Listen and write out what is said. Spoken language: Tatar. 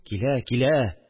Килә, килә